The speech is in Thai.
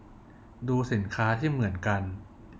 ดูสินค้าที่เหมือนกัน